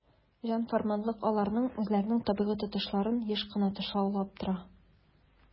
"җан-фәрманлык" аларның үзләрен табигый тотышларын еш кына тышаулап тора.